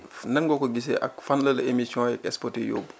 fa nan nga ko gisee ak fan la la émissions yeeg spots yi yóbbu